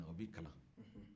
o b'i kalan